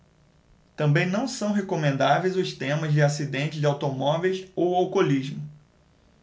também não são recomendáveis os temas de acidentes de automóveis ou alcoolismo